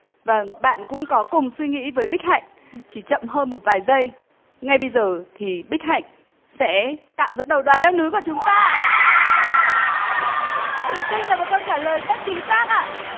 vâng bạn cũng có cùng suy nghĩ với bích hạnh chỉ chậm hơn một vài giây ngay bây giờ thì bích hạnh sẽ tạm dẫn đầu đoàn leo núi của chúng ta thủy tinh là một câu trả lời rất chính xác